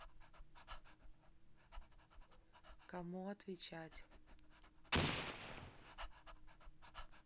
кому отвечать